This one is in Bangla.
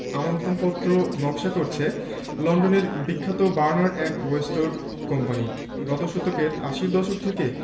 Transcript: আমন্ত্রণপত্র নকশা করছে লন্ডনের বিখ্যাত বার্নার্ড অ্যান্ড ওয়েস্টউড কোম্পানি গত শতকের আশির দশক থেকে